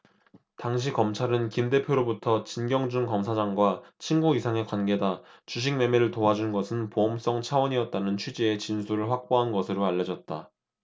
당시 검찰은 김 대표로부터 진경준 검사장과 친구 이상의 관계다 주식 매매를 도와준 것은 보험성 차원이었다는 취지의 진술을 확보한 것으로 알려졌다